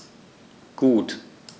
Gut.